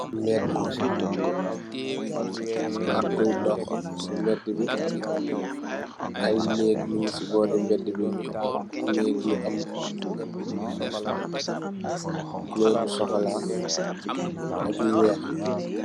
Mbed bi, ak kuy dox si mbed bi, aye neek mungi si bori mbed bi, neek yu am kuloor bu sokolaa, ak lu weex.